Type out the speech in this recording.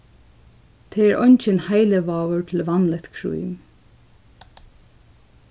tað er eingin heilivágur til vanligt krím